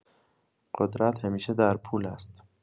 قدرت همیشه در پول است.